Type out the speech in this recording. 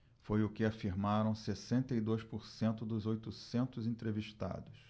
foi o que afirmaram sessenta e dois por cento dos oitocentos entrevistados